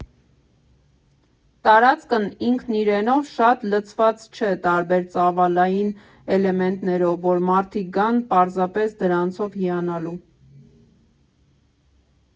Տարածքն ինքն իրենով շատ լցված չէ տարբեր ծավալային էլեմենտներով, որ մարդիկ գան պարզապես դրանցով հիանալու։